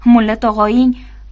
mullo tog'oying